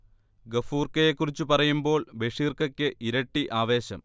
ഗഫൂർക്കയെ കുറിച്ച് പറയുമ്പോൾ ബഷീർക്കക്ക് ഇരട്ടി ആവേശം